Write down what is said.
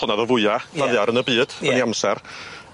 Honna o'dd y fwya... Ie. ...dan ddaear yn y byd... Ie. ...yn ei amsar.